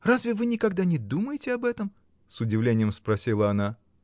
Разве вы никогда не думаете об этом? — с удивлением спросила она.